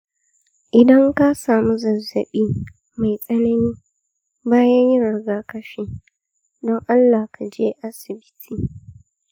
idan ka samu zazzabi mai tsanani bayan yin rigakafi, don allah ka je asibiti.